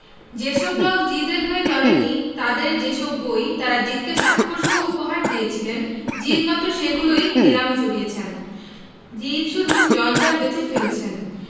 যে সব লোক জিদে র হয়ে লড়েন নি তাঁদের যে সব বই তাঁরা জিদ কে স্বাক্ষরসহ উপহার দিয়েছিলেন জিদ মাত্র সেগুলোই নিলামে চড়িয়েছেন জিদ শুধু জঞ্জাল বেচে ফেলছেন